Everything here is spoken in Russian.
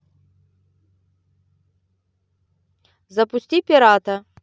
запусти пирата